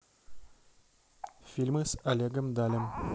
фильмы с олегом далем